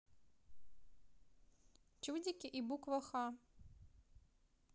чудики и буква х